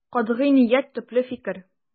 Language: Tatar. Катгый ният, төпле фикер.